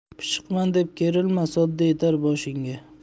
pishiqman deb kerilma sodda yetar boshingga